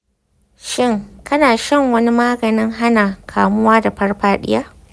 shin kana shan wani maganin hana kamuwa da farfaɗiya ?